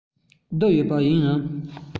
བསྡུར ཡོད པ ཡིན ནམ